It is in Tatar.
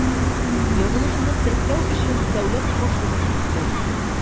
Язылышуны теркәү өчен дәүләт пошлинасын түләү.